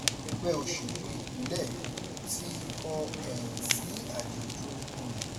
4. Ẹgbẹ́ òṣèlú-ìpínlẹ̀ ti kọ ẹ̀yìn sí àjọ̀dún Òyìnbó.